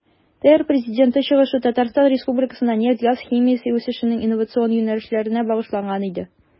ТР Президенты чыгышы Татарстан Республикасында нефть-газ химиясе үсешенең инновацион юнәлешләренә багышланган иде.